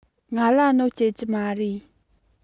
ང ལ གནོད སྐྱེལ གྱི མ རེད